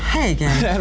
hei Geir.